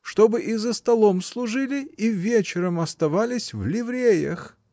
Чтобы и за столом служили, и вечером оставались в ливреях!